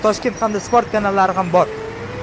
toshkent hamda sport kanallari ham bor